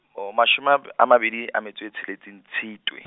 oh mashome a b-, a mabedi, a metso e tsheletseng Tshitwe.